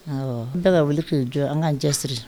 Ne bɛɛ bɛ wele k'i jɔ an k'an jɛ siri